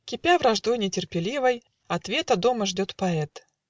Кипя враждой нетерпеливой, Ответа дома ждет поэт